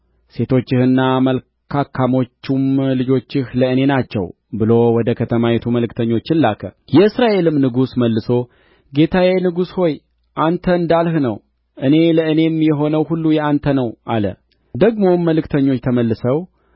ሴቶችህና መልካካሞቹም ልጆችህ ለእኔ ናቸው ብሎ ወደ ከተማይቱ መልእክተኞችን ላከ የእስራኤልም ንጉሥ መልሶ ጌታዬ ንጉሥ ሆይ አንተ እንዳልህ ነው እኔ ለእኔም የሆነው ሁሉ የአንተ ነው አለ ደግሞም መልእክተኞች ተመልሰው